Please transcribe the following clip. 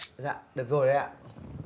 dạ được rồi đây ạ